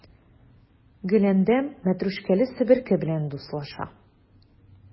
Гөләндәм мәтрүшкәле себерке белән дуслаша.